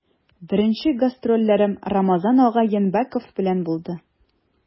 Беренче гастрольләрем Рамазан ага Янбәков белән булды.